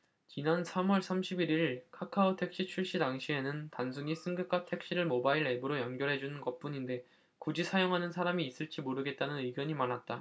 지난 삼 월 삼십 일 일 카카오택시 출시 당시에는 단순히 승객과 택시를 모바일 앱으로 연결해주는 것뿐인데 굳이 사용하는 사람이 있을지 모르겠다는 의견이 많았다